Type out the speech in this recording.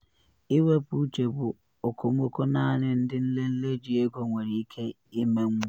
Iwepu uche bụ okomoko naanị ndị nlele ji ego nwere ike ịmenwu.